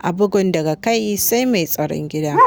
a bugun daga kai sai mai tsaron gida.